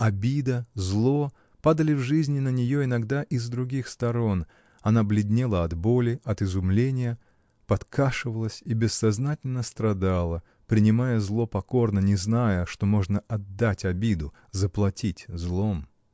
Обида, зло падали в жизни на нее иногда и с других сторон: она бледнела от боли, от изумления, подкашивалась и бессознательно страдала, принимая зло покорно, не зная, что можно отдать обиду, заплатить злом.